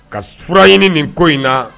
Ka fura ɲini nin ko in na.